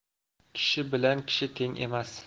kishi bilan kishi teng emas